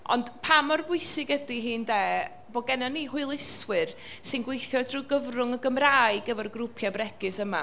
Ond, pa mor bwysig ydy hi ynde, bod gennyn ni hwyluswyr sy'n gweithio drwy'r gyfrwng y Gymraeg efo'r grŵpiau bregus yma.